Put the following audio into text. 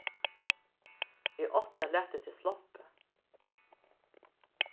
eg átti at latið teg sloppið